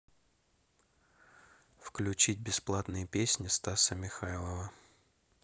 включить бесплатно песни стаса михайлова